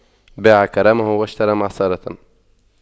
باع كرمه واشترى معصرة